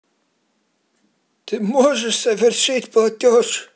ты можешь совершить платеж